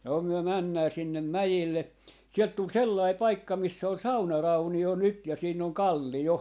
no me mennään sinne mäelle sieltä tuli sellainen paikka missä oli saunaraunio nyt ja siinä on kallio